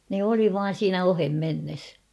ne oli vain siinä ohimennessä